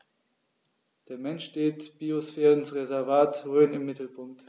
Der Mensch steht im Biosphärenreservat Rhön im Mittelpunkt.